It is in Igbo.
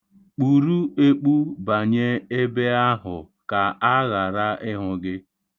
Kpuru ekpu banye ebe ahụ ka a ghara ịhụ gị.